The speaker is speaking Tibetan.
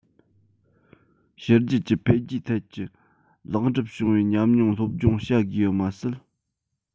ཕྱི རྒྱལ གྱི འཕེལ རྒྱས ཐད ཀྱི ལེགས འགྲུབ བྱུང བའི ཉམས མྱོང སློབ སྦྱོང བྱ དགོས པ མ ཟད